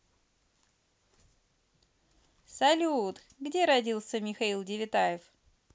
салют где родился михаил девятаев